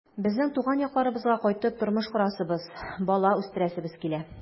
Безнең туган якларыбызга кайтып тормыш корасыбыз, бала үстерәсебез килә.